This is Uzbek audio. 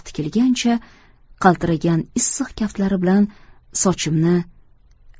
tikilgancha qaltiragan issiq kaftlari bilan sochimni